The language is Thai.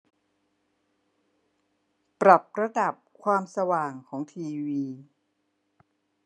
ปรับระดับระดับความสว่างของทีวี